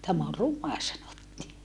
tämä on ruma sanottiin